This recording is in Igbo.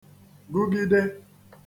-gụgidē